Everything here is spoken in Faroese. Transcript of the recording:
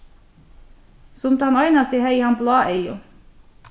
sum tann einasti hevði hann blá eygu